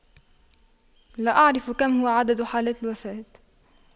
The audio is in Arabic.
لا أعرف كم هو عدد حالات الوفاة